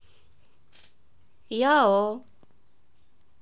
яо